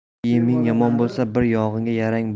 kiyiming yomon bo'lsa bir yog'ingga yarar